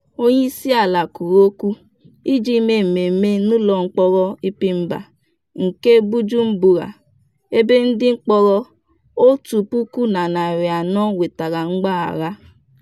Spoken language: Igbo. Onyeisiala kwuru okwu iji mee mmemme n'ụlọ mkpọrọ Mpimba nke Bujumbura, ebe ndị mkpọrọ 1,400 nwetara mgbaghara.